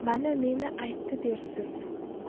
mana meni aytdi dersiz